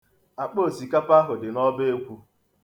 Akpa osikapa ahụ dị n'ọbaekwu.